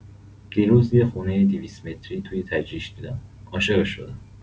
دیروز یه خونه دوست متری تو تجریش دیدم، عاشقش شدم!